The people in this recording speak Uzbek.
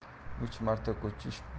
uch marta ko'chish